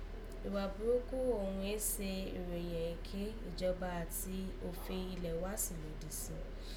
Ìwà búrúkú òghun rèé se ìròyẹ̀n èké, ìjọba àti òfin ilẹ̀ wa sì lòdì si.